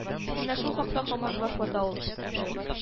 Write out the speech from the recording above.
– менә шул хакта һаман баш вата ул